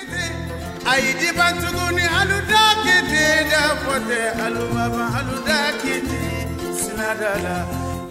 Ayi y yeji ba tuguni ni daki jigin tɛ ali babadaki jigin sina la